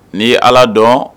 Ni ala dɔn